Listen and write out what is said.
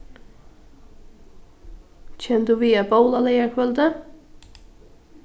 kemur tú við at bovla leygarkvøldið